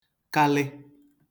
kalị